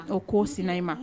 O k'o sina i